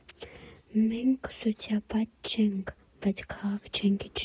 Մենք սոցիոպատ չենք, բայց քաղաք չենք իջնում։